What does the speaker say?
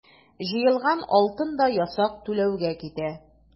Җыелган алтын да ясак түләүгә китә.